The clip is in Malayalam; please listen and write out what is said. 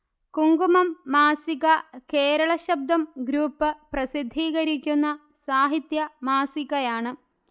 കുങ്കുമം മാസിക കേരള ശബ്ദം ഗ്രൂപ്പ് പ്രസിദ്ധീകരിക്കുന്ന സാഹിത്യ മാസികയാണ്